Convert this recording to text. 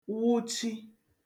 wụchi